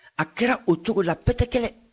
a kɛra o cogo la pɛtɛkɛlɛ